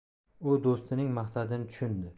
u do'stining maqsadini tushundi